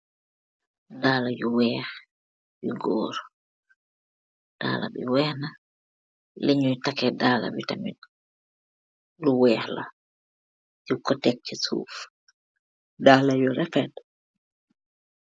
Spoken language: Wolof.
daala yuu weeah bu goor.